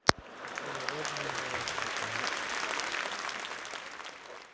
наверное не работает